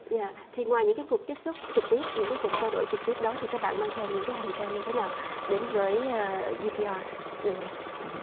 dạ thì ngoài những cái cuộc tiếp xúc trực tiếp những cái cuộc trao đổi trực tiếp đó thì các bạn mang theo những cái hành trang như thế nào đến với gi pi o lần này